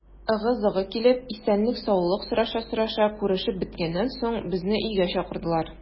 Ыгы-зыгы килеп, исәнлек-саулык сораша-сораша күрешеп беткәннән соң, безне өйгә чакырдылар.